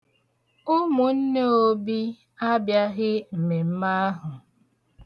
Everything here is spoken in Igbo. Ụmụnne Obi abịaghị mmemme ahụ.